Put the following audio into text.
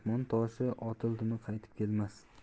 toshi otildimi qaytib kelmas